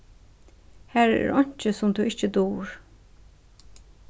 har er einki sum tú ikki dugir